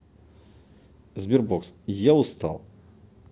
sberbox я устал